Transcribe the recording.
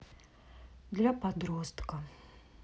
для подростка